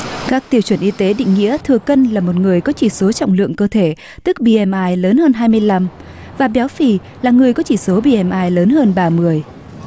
các tiêu chuẩn y tế định nghĩa thừa cân là một người có chỉ số trọng lượng cơ thể tức bi em ai lớn hơn hai mươi lăm và béo phì là người có chỉ số bi em ai lớn hơn ba mươi